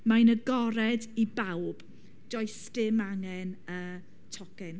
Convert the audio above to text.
Mae'n agored i bawb. Does dim angen y tocyn.